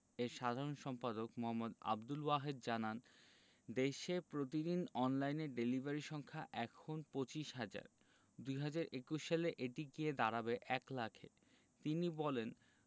এর সাধারণ সম্পাদক মো. আবদুল ওয়াহেদ জানান দেশে প্রতিদিন অনলাইন ডেলিভারি সংখ্যা এখন ২৫ হাজার ২০২১ সালে এটি গিয়ে দাঁড়াবে ১ লাখে তিনি বলেন